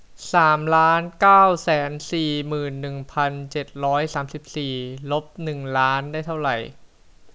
สามล้านเก้าแสนสี่หมื่นหนึ่งพันเจ็ดร้อยสามสิบสี่ลบหนึ่งล้านได้เท่าไหร่